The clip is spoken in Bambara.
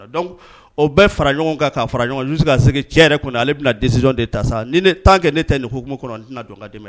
O bɛɛ fara ɲɔgɔn kan' fara ɲɔgɔn ka cɛ yɛrɛ ale bɛna disi de ta ni tan kɛ ne tɛ koumu kɔnɔ dɔn ka dɛmɛ